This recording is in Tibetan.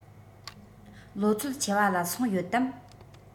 ལོ ཚོད ཆེ བ ལ སོང ཡོད དམ